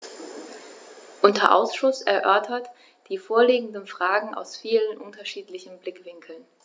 Unser Ausschuss erörtert die vorliegenden Fragen aus vielen unterschiedlichen Blickwinkeln.